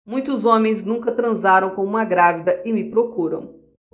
muitos homens nunca transaram com uma grávida e me procuram